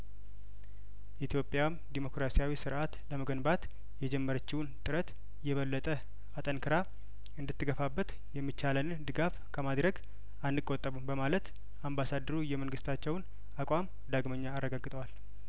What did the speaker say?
ኢትዮጵያም ዲሞክራሲያዊ ስርአት ለመገንባት የጀመረችውን ጥረት የበለጠ አጠንክራ እንድት ገፋበት የሚቻለንን ድጋፍ ከማድረግ አንቆጠብም በማለት አምባሳደሩ የመንግስታቸውን አቋም ዳግመኛ አረጋግጠዋል